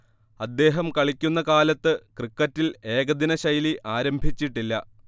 അദ്ദേഹം കളിക്കുന്ന കാലത്ത് ക്രിക്കറ്റിൽ ഏകദിനശൈലി ആരംഭിച്ചിട്ടില്ല